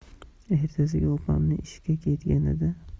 ertasiga opam ishga ketganida